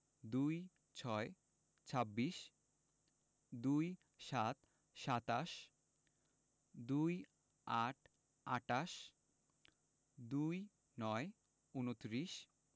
২৬ – ছাব্বিশ ২৭ – সাতাশ ২৮ - আটাশ ২৯ -ঊনত্রিশ